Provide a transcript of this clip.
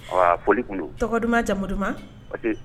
An baa foli tun don. Tɔgɔ duman jamu duman?